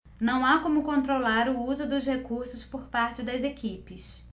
não há como controlar o uso dos recursos por parte das equipes